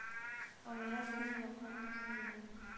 Аера сине якын дусыңнан.